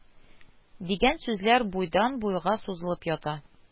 Дигән сүзләр буйдан-буйга сузылып ята